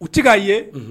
U tɛ'a ye